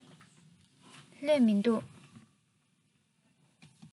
སླེབས མི འདུག